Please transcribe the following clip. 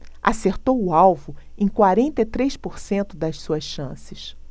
acertou o alvo em quarenta e três por cento das suas chances